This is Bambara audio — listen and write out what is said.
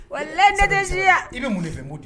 Wa lajɛdenya i bɛ munfɛnmu di